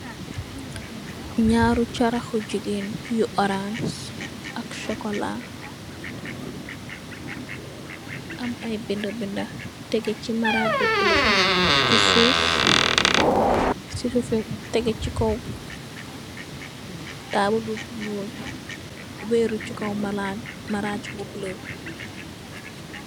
Njaaru charakhu gigain yu oranhce, ak chocolat, am aiiy binda binda tehgeh chi marajj bu bleu, chi suff, cii suffi wii tehgeh chi kaw taabul bu njull, wehru chi kaw maalan, marajj bu bleu.